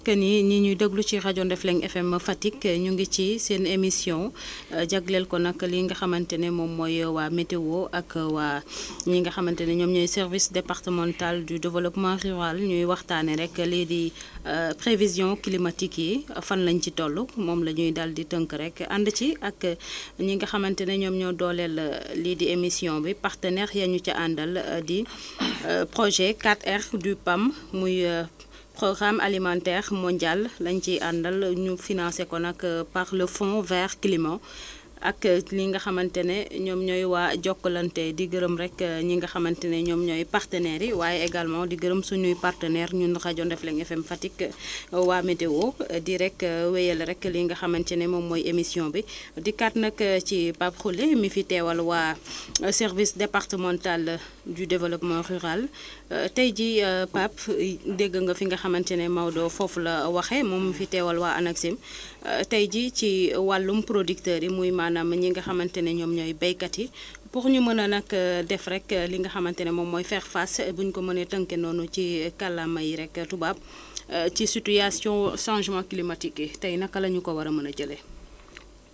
que ni ñi ñuy déglu ci rajo Ndefleng FM Fatick énu ngi ci seen émission jagleel ko nag li ngaxamante ni moom mooy waa météo ak waa ñi nga xamante ni ñoom ñooy services départemental du développement rural ñuy waxtaanee rek lii di prévision climatique yi fa lañ ci toll moom la ñuy daal di tënk rek ànd ci ak ñi nga xamante ne ñoom ñoo dooleel lii di émission bi partenaires ya ñu ca àndal di projet 4R du PAM muy programme alimentaire modial lañ ciy àndal énu financé ko nag par le fond vert climat ak ñii nga xamante ne ñoom ñooy waa Jokalante di gërëm rek ñii nga xamante ne ñoom ñooy partenaire yi waaye également di gërëm suñuy parteneires ñun rajo Ndefleng FM Fatick waa météo di rek wéyal rek li nga xamante ni moom mooy émission bi dikkaat nag ci Pape Khoulé mi fi teewal waa service départemental du développement rural tey jii Pape dégg nga fi nga xamante ne Maodo foofu la waxee moom mi fi teewal waa ANACIM tey jii ci wàllu producteurs yi muy maanaam éni nga xamante ne ñoom ñooy béykat yi pour ñu mën a nag def rek li nga xamante ne moom mooy faire face bu ñu ko mënee tënke noonu ci kallaamay rek tubaab ci situation changement climatique yi tey naka la ñu ko war a mun a jëlee